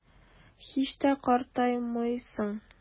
Һич тә картаймыйсың.